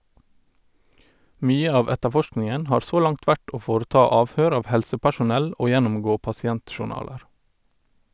Mye av etterforskningen har så langt vært å foreta avhør av helsepersonell og gjennomgå pasientjournaler.